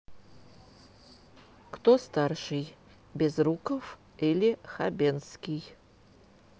кто старший безруков или хабенский